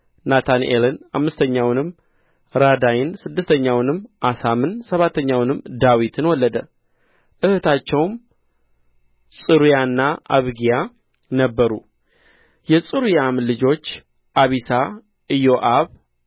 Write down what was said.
ናትናኤልን አምስተኛውንም ራዳይን ስድስተኛውንም አሳምን ሰባተኛውንም ዳዊትን ወለደ እኅቶቻቸውም ጽሩያና አቢግያ ነበሩ የጽሩያም ልጆች አቢሳ ኢዮአብ